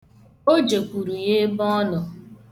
O jekwuru ya ebe ọ nọ.